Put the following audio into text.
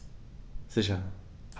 Sicher.